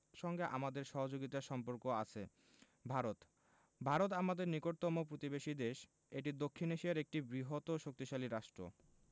সঙ্গে আমাদের সহযোগিতার সম্পর্ক আছে ভারতঃ ভারত আমাদের নিকটতম প্রতিবেশী দেশএটি দক্ষিন এশিয়ার একটি বৃহৎও শক্তিশালী রাষ্ট্র